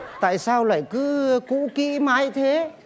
tại sao lại cứ cũ kĩ mãi thế